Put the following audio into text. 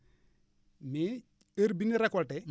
mais heure bi nga récolté